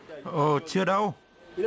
ồ chưa đâu